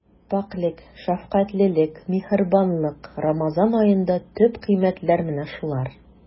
Пакьлек, шәфкатьлелек, миһербанлык— Рамазан аенда төп кыйммәтләр менә шулар.